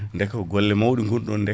ndeke ko golle mawɗe goni ɗon ndeke